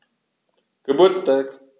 Geburtstag